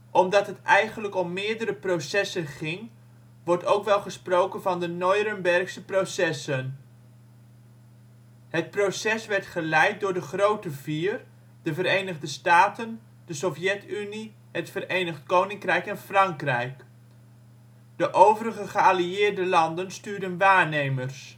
Omdat het eigenlijk om meerdere processen ging wordt ook wel gesproken van de Neurenbergse processen. Het proces werd geleid door de Grote Vier: de Verenigde Staten, de Sovjet-Unie, het Verenigd Koninkrijk en Frankrijk. De overige geallieerde landen stuurden waarnemers